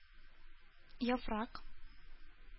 Яфрак